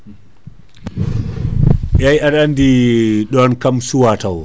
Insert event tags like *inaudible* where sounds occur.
*hesitation* *hesitation* *noise* eyyi aɗa andi ɗon kam suuwa taw